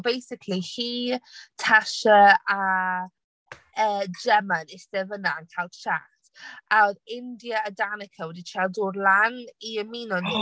Basically hi Tasha a yy Gemma yn eistedd fan'na yn cael chat, a oedd India a Danica wedi treial dod lan i ymuno â nhw.